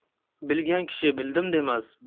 bilgan kishi bildim demas